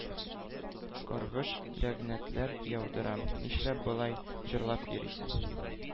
Каргыш-ләгънәтләр яудырам. нишләп болай җырлап йөрисең?